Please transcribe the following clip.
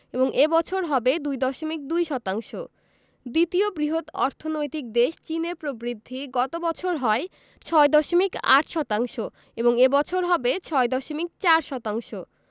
এবং এ বছর হবে ২.২ শতাংশ দ্বিতীয় বৃহৎ অর্থনৈতিক দেশ চীনের প্রবৃদ্ধি গত বছর হয় ৬.৮ শতাংশ এবং এ বছর হবে ৬.৪ শতাংশ